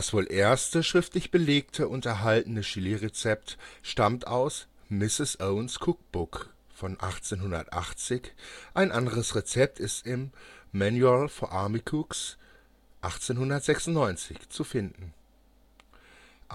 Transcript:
wohl erste schriftlich belegte und erhaltene Chilirezept stammt aus Mrs. Owen 's Cook Book (1880), ein anderes Rezept ist im Manual for Army Cooks (War Department Document #18) (1896) zu finden. Andere